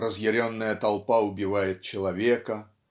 разъяренная толпа убивает человека